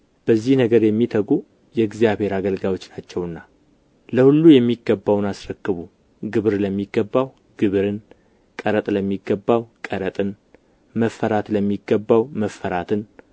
በዚህ ነገር የሚተጉ የእግዚአብሔር አገልጋዮች ናቸውና ለሁሉ የሚገባውን አስረክቡ ግብር ለሚገባው ግብርን ቀረጥ ለሚገባው ቀረጥን መፈራት ለሚገባው መፈራትን